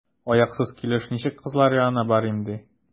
Аяксыз килеш ничек кызлар янына барыйм, ди?